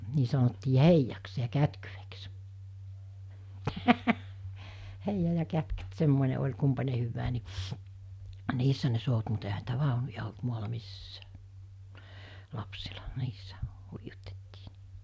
niin sanottiin heijaksi ja kätkyeksi heija ja kätkyt semmoinen oli kumpainenkin hyvää niin niissä ne souti mutta eihän niitä vaunuja ollut maalla missään lapsilla niissä huijutettiin niin